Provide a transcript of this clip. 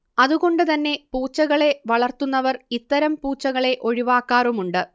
അതുകൊണ്ട് തന്നെ പൂച്ചകളെ വളർത്തുന്നവർ ഇത്തരം പൂച്ചകളെ ഒഴിവാക്കാറുമുണ്ട്